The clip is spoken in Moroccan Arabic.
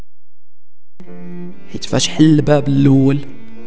فتح الباب لول